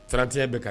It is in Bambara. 31 bɛ ka